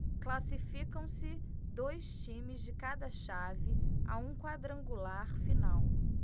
classificam-se dois times de cada chave a um quadrangular final